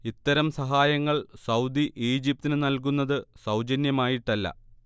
ഇത്തരം സഹായങ്ങൾ സൗദി ഈജ്പിതിന് നൽകുന്നത് സൗജന്യമായിട്ടല്ല